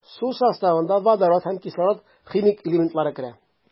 Су составына водород һәм кислород химик элементлары керә.